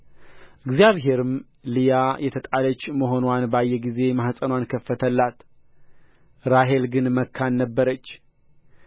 እግዚአብሔርም ልያ የተጠላች መሆንዋን ባየ ጊዜ ማኅፀንዋን ከፈተላት ራሔል ግን መካን ነበረች